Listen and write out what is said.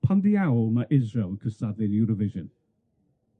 Pam ddiawl ma' Israel yn cystadlu yn Eurovision?